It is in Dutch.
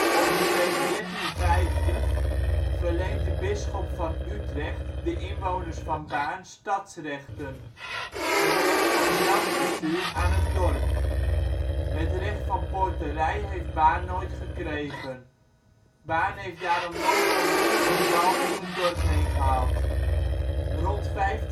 Omstreeks 1350 verleent de bisschop van Utrecht de inwoners van Baarn stadsrechten, het recht van zelfbestuur aan het dorp. Het recht van poorterij heeft Baarn nooit gekregen. Baarn heeft daarom nooit een muur of wal om het dorp heen gehad. Rond 1500